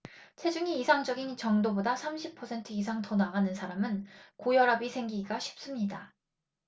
체중이 이상적인 정도보다 삼십 퍼센트 이상 더 나가는 사람은 고혈압이 생기기가 쉽습니다